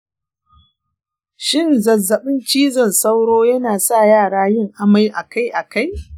shin zazzabin cizon sauro yana sa yara yin amai akai-akai?